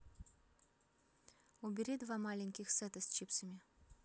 убери два маленьких сета с чипсами